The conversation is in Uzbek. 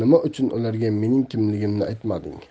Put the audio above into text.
ularga mening kimligimni aytmading